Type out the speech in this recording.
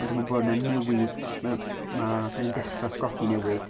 Ond dwi'n meddwl bod yna newid m- mae- dan ni'n dechrau ysgogi newid.